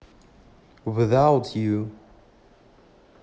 without you